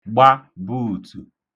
gba buùtù